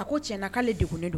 A ko tiyɛna k'ale degulen do.